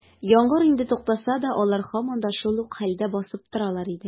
Яңгыр инде туктаса да, алар һаман да шул ук хәлдә басып торалар иде.